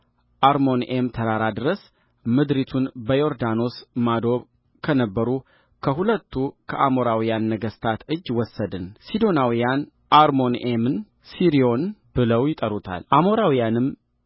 አርሞንዔም ተራራ ድረስ ምድሪቱን በዮርዳኖስ ማዶ ከነበሩ ከሁለቱ ከአሞራውያን ነገሥታት እጅ ወሰድንሲዶናውያን አርሞንዔምን ሢርዮን ብለው ይጠሩታል አሞራውያንም